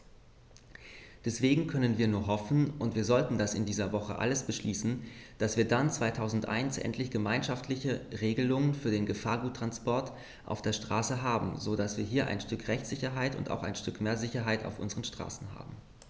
Deswegen können wir nur hoffen - und wir sollten das in dieser Woche alles beschließen -, dass wir dann 2001 endlich gemeinschaftliche Regelungen für den Gefahrguttransport auf der Straße haben, so dass wir hier ein Stück Rechtssicherheit und auch ein Stück mehr Sicherheit auf unseren Straßen haben.